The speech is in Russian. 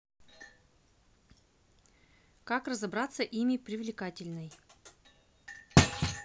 как разобраться ими привлекательной